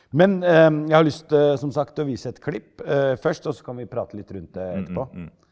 men jeg har lyst som sagt å vise et klipp først og så kan vi prate litt rundt det etterpå.